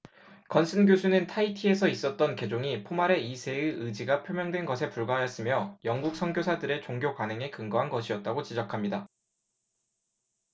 건슨 교수는 타히티에서 있었던 개종이 포마레 이 세의 의지가 표명된 것에 불과하였으며 영국 선교사들의 종교 관행에 근거한 것이었다고 지적합니다